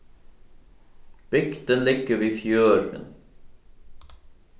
bygdin liggur við fjørðin